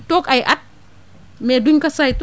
toog ay at mais duñ ko saytu